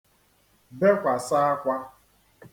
bekwàsa akwā